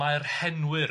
Mae'r henwyr.